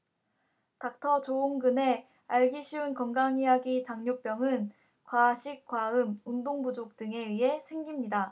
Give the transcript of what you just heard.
닥터 조홍근의 알기 쉬운 건강이야기 당뇨병은 과식 과음 운동부족 등에 의해 생깁니다